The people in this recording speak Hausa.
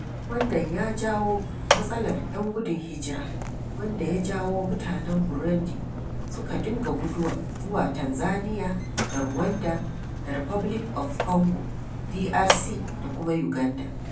Wannan ya jawo matsalar 'yan gudun hijira wanda ya jawo mutanen Burundi suka dinga guduwa zuwa Tanzaniya da Rwanda da Republic of Congo (DRC) da kuma Uganda.